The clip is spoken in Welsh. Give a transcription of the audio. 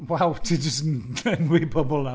Waw ti jyst yn enwi pobl nawr.